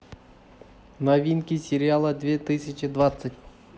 новинки сериала две тысячи двадцать